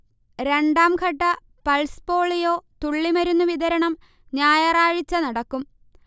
രണ്ടാംഘട്ട pulse polio തുള്ളിമരുന്ന് വിതരണം ഞായറാഴ്ച നടക്കും